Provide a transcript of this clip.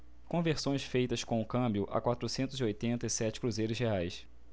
conversões feitas com câmbio a quatrocentos e oitenta e sete cruzeiros reais